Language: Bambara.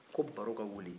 ko baro ka wuli